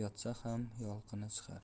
yotsa ham yolini chiqar